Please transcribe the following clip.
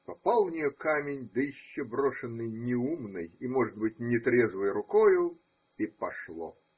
попал в нее камень, да еще брошенный неумной и, может быть, нетрезвой рукою, – и пошло!